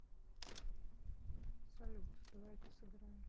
салют давай ка сыграем